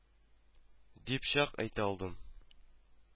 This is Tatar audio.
Дип чак әйтә алдым